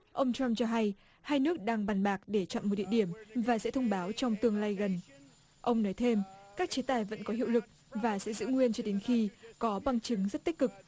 ông trăm cho hay hai nước đang bàn bạc để chọn một địa điểm và sẽ thông báo trong tương lai gần ông nói thêm các chế tài vận có hiệu lực và sẽ giữ nguyên cho đến khi có bằng chứng rất tích cực